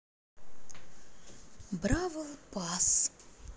бравл пасс